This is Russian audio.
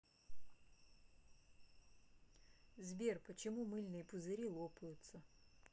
сбер почему мыльные пузыри лопаются